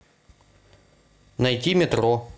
найти метро